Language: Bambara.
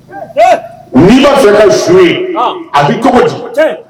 N'i'a fɛ ka su ye a' kogo di